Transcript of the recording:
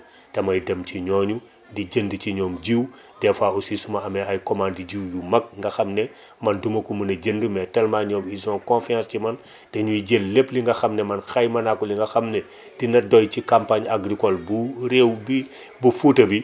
damay dem ci ñooñu di jënd ci ñoom jiwu des fois aussi su ma amee ay commandes jiwu yu mag nga xam ne man du ma ko mën a jënd mais tellement ñoom ils ont confiance ci man dañuy jël lépp li nga xam ne man xayma naa ko li nga xam ne dina doy ci campagne agricole bu réew bi bu Fouta bi